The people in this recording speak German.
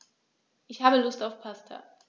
Ich habe Lust auf Pasta.